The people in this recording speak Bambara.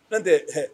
An tɛ h